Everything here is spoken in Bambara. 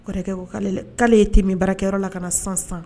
Kɔrɔkɛ ko'ale ye te baarakɛyɔrɔ la ka na san san